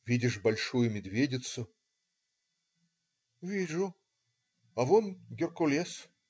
видишь Большую Медведицу?"-"Вижу. а вон Геркулес".